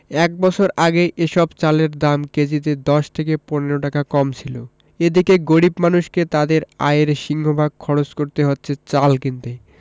এক বছর আগে এসব চালের দাম কেজিতে ১০ থেকে ১৫ টাকা কম ছিল এদিকে গরিব মানুষকে তাঁদের আয়ের সিংহভাগ খরচ করতে হচ্ছে চাল কিনতে